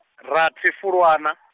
rathi Fulwana .